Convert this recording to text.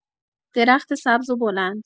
درخت سبز و بلند